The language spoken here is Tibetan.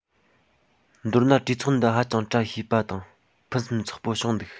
མདོར ན གྲོས ཚོགས འདི ཧ ཅང བཀྲ ཤིས པ དང ཕུན སུམ ཚོགས པོ བྱུང འདུག